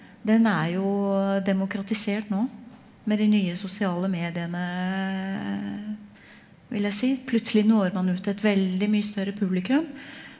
den er jo demokratisert nå med de nye sosiale mediene , vil jeg si, plutselig når man ut til et veldig mye større publikum.